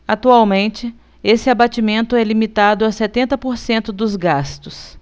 atualmente esse abatimento é limitado a setenta por cento dos gastos